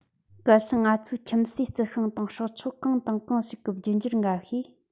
གལ སྲིད ང ཚོའི ཁྱིམ གསོས རྩི ཤིང དང སྲོག ཆགས གང དང གང ཞིག གི རྒྱུད འགྱུར འགའ ཤས